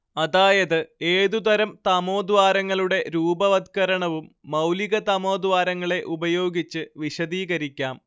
അതായത് ഏതുതരം തമോദ്വാരങ്ങളുടെ രൂപവത്കരണവും മൗലികതമോദ്വാരങ്ങളെ ഉപയോഗിച്ച് വിശദീകരിക്കാം